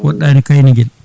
wodɗani Kayniguel